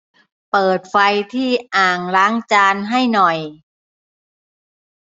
เปิดไฟที่อ่างล้างจานให้หน่อย